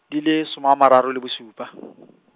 di le soma a mararo le bosupa .